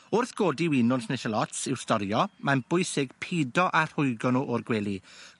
Wrth godi winwns ne' shallots i'w storio mae'n bwysig pido â rhwygo n'w o'r gwely.